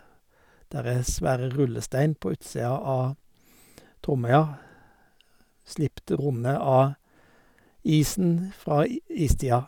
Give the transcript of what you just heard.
Der er svære rullestein på utsia av Tromøya, slipt runde av isen fra i istida.